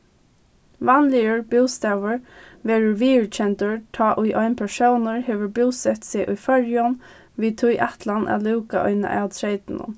vanligur bústaður verður viðurkendur tá ið ein persónur hevur búsett seg í føroyum við tí ætlan at lúka eina av treytunum